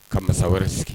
Ka masa wɛrɛ sigi